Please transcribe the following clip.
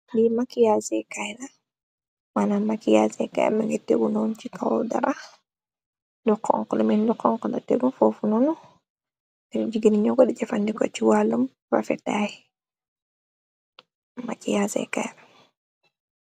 Li makiyasekaay na mëna makiyasekaai ma ngir tegu noon ci kawo darax lu xonxlumin lu konkna tegu foofu noonu nir jig ni ño godi jafandi ko ci wàllum prafetaay makiyasekaar.